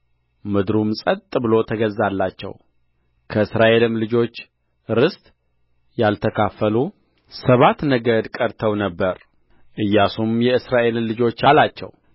ምድሩም ጸጥ ብሎ ተገዛላቸው ከእስራኤልም ልጆች ርስት ያልተካፈሉ ሰባት ነገድ ቀርተው ነበር ኢያሱም የእስራኤልን ልጆች አላቸው